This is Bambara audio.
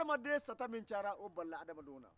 adamaden sata cayali balala adamadenw na